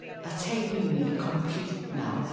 A teulu ni compleat nawr.